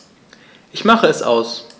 Ich mache es aus.